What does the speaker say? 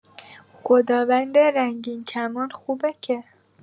خداوند رنگین‌کمان خوبه که؛